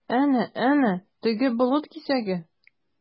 Әнә-әнә, теге болыт кисәге?